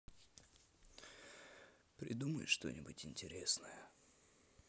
придумай что нибудь интересное